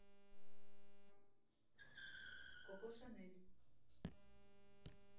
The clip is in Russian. коко шанель